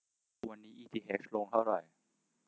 วันนี้อีทีเฮชลงเท่าไหร่